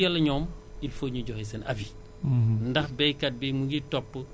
mais ñun balaa ñuy def dara nag wax dëgg Yàlla ñoom il faut ñu joxe seen avis